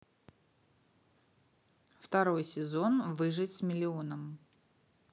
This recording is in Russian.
второй сезон выжить с миллионом